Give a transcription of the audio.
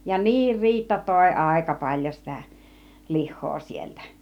ja niin Riitta toi aika paljon sitä lihaa sieltä